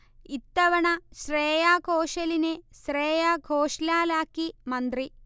ഇത്തവണ ശ്രേയാ ഘോഷലിനെ ശ്രേയാ ഘോഷ്ലാലാക്കി മാറ്റി